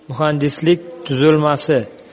muhandislik tuzilmasi